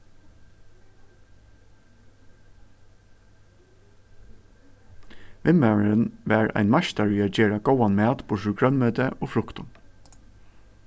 vinmaðurin var ein meistari í at gera góðan mat burtur úr grønmeti og fruktum